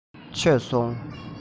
མཆོད སོང